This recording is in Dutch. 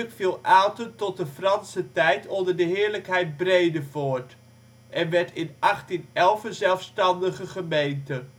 viel Aalten tot de Franse tijd onder de Heerlijkheid Bredevoort en werd in 1811 een zelfstandige gemeente